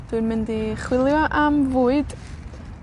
Dwi'n mynd i chwilio am fwyd,